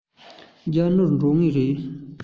རྒྱག ནོར འགྲོ ངེས རེད